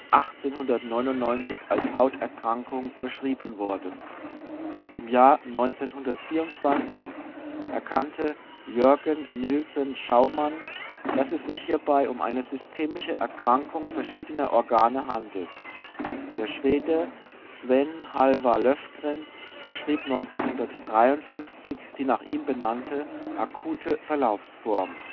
1899 als Hauterkrankung beschrieben worden. Im Jahre 1924 erkannte Jörgen Nilsen Schaumann, dass es sich hierbei um eine systemische Erkrankung verschiedener Organe handelt. Der Schwede Sven Halvar Löfgren beschrieb 1953 die nach ihm benannte, akute Verlaufsform